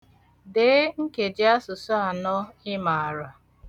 Dee nkejiasụsụ anọ ị maara.